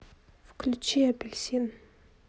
включи апельсин